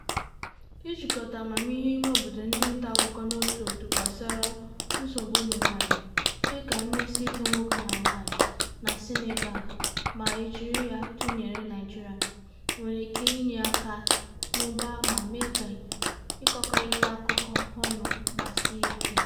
Ijikọta amamihe imeobodo ndị ntaakụkọ n'otu n'otu gbasara nsogbu ụmụnwaanyị - dịka mmesiike nwoke na nwaanyị na Senegal ma e jiri ya tụnyere Naịjirịa - nwere ike inye aka mụbaa ma mee ka ịkọkọrịta akụkọ ọnụ gbasie ike.